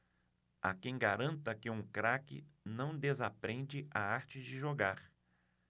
há quem garanta que um craque não desaprende a arte de jogar